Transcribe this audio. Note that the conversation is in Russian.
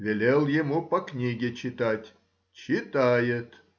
Велел ему по книге читать,— читает